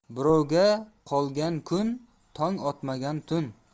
birovga qolgan kun tong otmagan tun